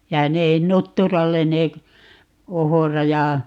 ja ne nutturalle ne - ohra ja